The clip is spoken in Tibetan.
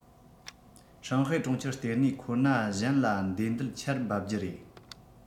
ཧྲང ཧའེ གྲོང ཁྱེར ལྟེ གནས ཁོ ན གཞན ལ འདེད འདེད ཆར འབབ རྒྱུ རེད